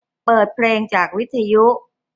เปิดเพลงจากวิทยุ